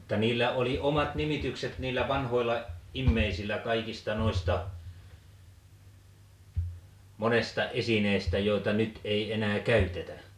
mutta niillä oli omat nimitykset niillä vanhoilla ihmisillä kaikista noista monesta esineestä joita nyt ei enää käytetä